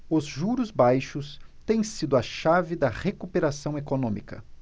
os juros baixos têm sido a chave da recuperação econômica